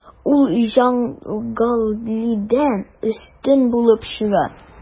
Ул Җангалидән өстен булып чыга.